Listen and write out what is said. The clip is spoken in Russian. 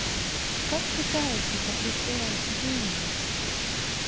как считается коэффициент джимми